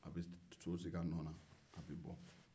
a be to sigi a nɔ na a be bɔ